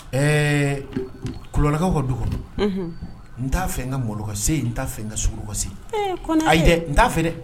Ɛɛ kulubalilakaw ka dugu kɔnɔ , n ta fɛ n ka malo ka se yen n ta fɛ ka sukaro ka se yen . Ayi dɛ, n ta fɛ dɛ.